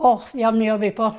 å vi har mye å by på.